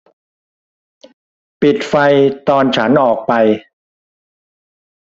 ปิดไฟตอนฉันออกไป